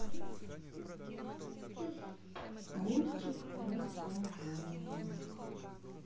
мультик про собак